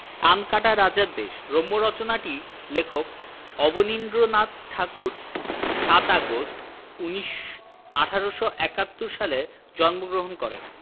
কানকাটা রাজার দেশ' রম্যরচনাটির লেখক অবনীন্দ্রনাথ ঠাকুর ৭ আগস্ট ১৮৭১ সালে জন্মগ্রহণ করেন